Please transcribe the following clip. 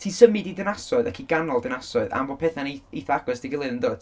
ti'n symud i dinasoedd ac i ganol dinasoedd am fod pethau'n ei- eitha agos at ei gilydd dwyt?